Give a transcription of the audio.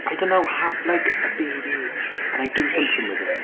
I don't know. Have like a baby and I do something with it.